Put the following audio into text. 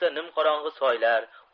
nimqorong'i soylar